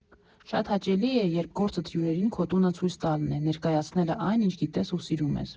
Շատ հաճելի է, երբ գործդ հյուրերին քո տունը ցույց տալն է, ներկայացնելը այն, ինչ գիտես ու սիրում ես։